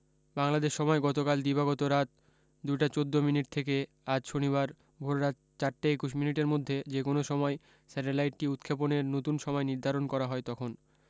বাংলাদেশ সময় গতকাল দিবাগত রাত ২টা ১৪ মিনিট থেকে আজ শনিবার ভোররাত ৪টা ২১ মিনিটের মধ্যে যেকোনো সময় স্যাটেলাইটটি উৎক্ষেপণের নতুন সময় নির্ধারণ করা হয় তখন